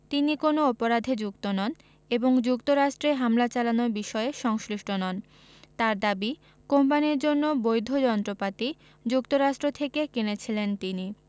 তিনি কোনো অপরাধে যুক্ত নন এবং যুক্তরাষ্ট্রে হামলা চালানোর বিষয়ে সংশ্লিষ্ট নন তাঁর দাবি কোম্পানির জন্য বৈধ যন্ত্রপাতি যুক্তরাষ্ট্র থেকে কিনেছিলেন তিনি